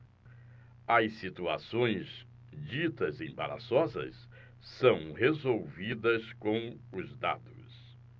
as situações ditas embaraçosas são resolvidas com os dados